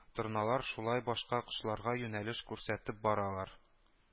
Торналар шулай башка кошларга юнәлеш күрсәтеп баралар